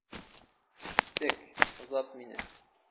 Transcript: Киттек, озат мине.